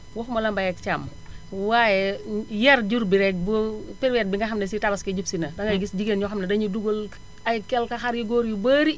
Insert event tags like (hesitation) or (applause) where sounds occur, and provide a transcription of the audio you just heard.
waxamala mbay ak càmm waaye (hesitation) yar jur bi rekk bu (hesitation) période bi nga xam ne si tabaski jub si na dangay gis jigéen ñoo xam ne dañuy dugal ay quelque xar yu góor yu bari